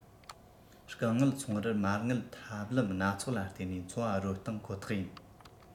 རྐང དངུལ ཚོང རར མ དངུལ ཐབས ལམ སྣ ཚོགས ལ བརྟེན ནས འཚོ བ རོལ སྟངས ཁོ ཐག ཡིན